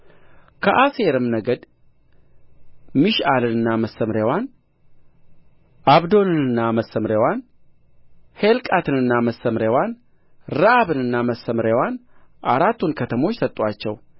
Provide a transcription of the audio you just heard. ከአሴርም ነገድ ሚሽአልንና መሰምርያዋን ዓብዶንንና መሰምርያዋን ሔልቃትንና መሰምርያዋን ረአብንና መሰምርያዋን አራቱን ከተሞች ሰጡአቸው